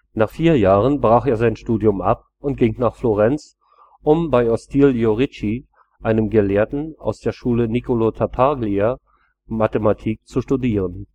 Nach vier Jahren brach er sein Studium ab und ging nach Florenz, um bei Ostilio Ricci, einem Gelehrten aus der Schule von Nicolo Tartaglia, Mathematik zu studieren